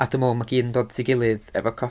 A dwi'n meddwl, ma' i gyd yn dod at ei gilydd efo coffi.